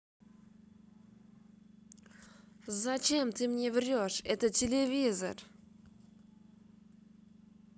зачем ты мне врешь это телевизор